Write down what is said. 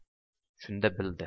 shunda bildi